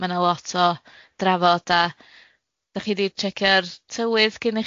ma' na lot o drafod a dach chi di jiecio'r tywydd cyn